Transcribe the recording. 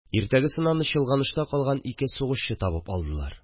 Иртәгесен аны чолганышта калган ике сугышчы табып алдылар